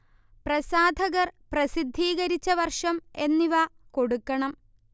പ്രസാധകർ പ്രസിദ്ധീകരിച്ച വർഷം എന്നിവ കൊടുക്കണം